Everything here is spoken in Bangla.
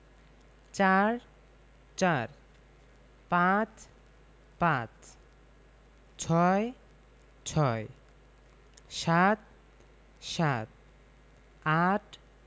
৪ – চার ৫ – পাঁচ ৬ - ছয় ৭ - সাত ৮